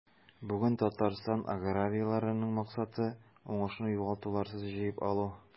Бүген Татарстан аграрийларының максаты – уңышны югалтуларсыз җыеп алу.